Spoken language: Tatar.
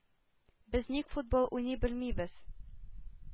Без ник футбол уйный белмибез?